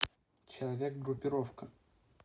человек группировка